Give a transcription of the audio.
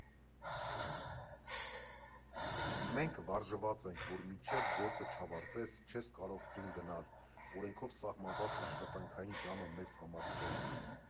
Մենք վարժված ենք, որ մինչև գործը չավարտես, չես կարող տուն գնալ, օրենքով սահմանված աշխատանքային ժամը մեզ համար չէ։